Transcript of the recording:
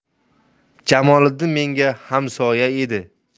jamoliddin menga hamsoya edi